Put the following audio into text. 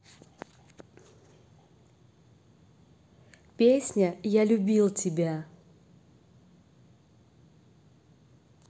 песня я любил тебя